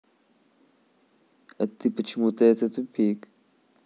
а ты почему то это тупик